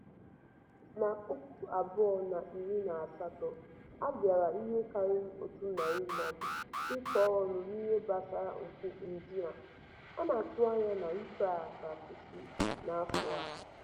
Na 2018, a gbara ihe karịrị otu narị mmadụ ikpe ọnụ n'ihe gbasara mpụ ndị a. A na-atụ anya na ikpe ha ga-akwụsị n'afọ a.